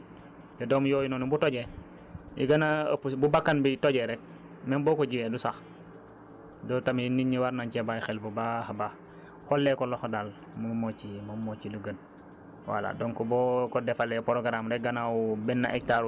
te yooyu xolli boobu mun na toj ay doom yu bëri te doom yooyu noonu bu tojee yu gën a bu bakkan bi tojee rekk même boo ko jiyee du sax loolu tamit nit ñi war nañ cee bàyyi xel bu baax a baax xollee ko loxo daal moom moo ciy moo ci li gën